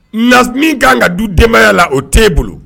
Na min ka ka du denbayaya la o tɛe bolo